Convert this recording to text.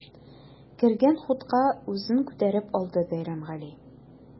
Кергән хутка үзен күтәреп алды Бәйрәмгали.